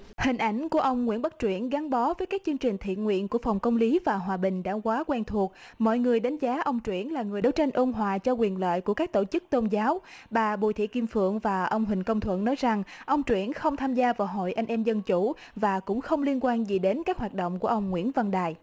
hình ảnh của ông nguyễn bắc truyển gắn bó với các chương trình thiện nguyện của phòng công lý và hòa bình đã quá quen thuộc mọi người đánh giá ông truyển là người đấu tranh ôn hòa cho quyền lợi của các tổ chức tôn giáo bà bùi thị kim phượng và ông huỳnh công thuận nói rằng ông truyển không tham gia vào hội anh em dân chủ và cũng không liên quan gì đến các hoạt động của ông nguyễn văn đài